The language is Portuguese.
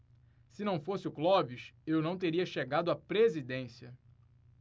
se não fosse o clóvis eu não teria chegado à presidência